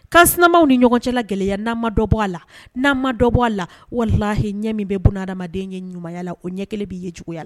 'a sinamaw ni ɲɔgɔn cɛ la gɛlɛyaya namadɔ bɔ a la namadɔbɔ a la walahi ɲɛ min bɛ bon hadamaden ye ɲumanyala o ɲɛ kelen b'i juguyaya la